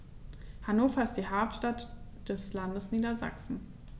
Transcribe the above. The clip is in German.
Hannover ist die Hauptstadt des Landes Niedersachsen.